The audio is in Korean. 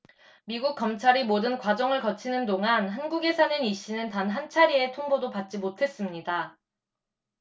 미국 검찰이 모든 과정을 거치는 동안 한국에 사는 이 씨는 단 한차례의 통보도 받지 못했습니다